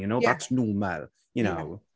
You know, that's normal, you know.